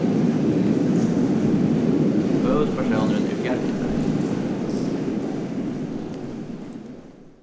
høvuðspersónurin er fjarritari